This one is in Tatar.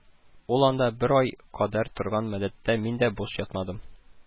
Ул анда бер ай кадәр торган мөддәттә мин дә буш ятмады